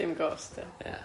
Dim ghosts na?